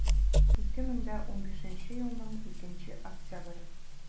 2015 елның 2 октябре